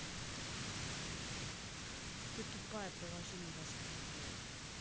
ты тупая приложение ваше тупое